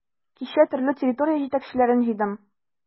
Кичә төрле территория җитәкчеләрен җыйдым.